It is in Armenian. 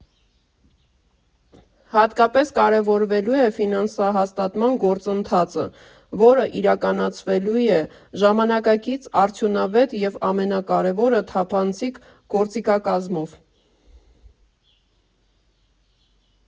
Հատկապես կարևորվելու է ֆինանսահաստատման գործընթացը, որն իրականացվելու է ժամանակակից, արդյունավետ և ամենակարևորը՝ թափանցիկ գործիքակազմով։